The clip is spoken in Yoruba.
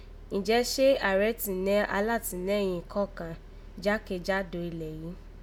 Ǹjẹ́, sé ààrẹ tì nẹ́ alátìnẹ́yìn kọ́kàn jákèjádò ilẹ̀ yìí!?